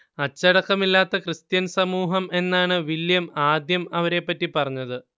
അച്ചടക്കമില്ലാത്ത Christian സമൂഹം എന്നാണ് William ആദ്യം അവരെ പറ്റി പറഞ്ഞത്